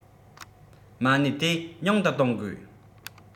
མ གནས དེ ཉུང དུ གཏོང དགོས